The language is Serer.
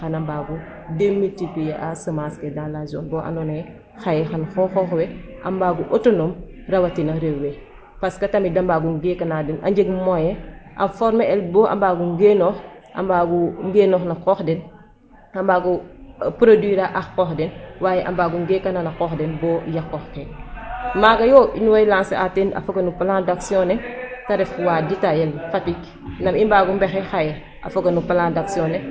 Parce que tamit da mbaag o ngeekan a den a njeg moyen a former el bo a mbaago ngeenoox, a mbaag o ngeenooxan a qoox den a mbaag o produire a ax a qoox den aaye a mbaag o ngeekan a den a qoox den bo yaqooxkee.